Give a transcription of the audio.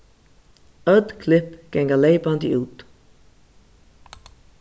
øll klipp ganga leypandi út